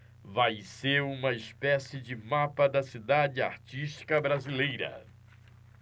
vai ser uma espécie de mapa da cidade artística brasileira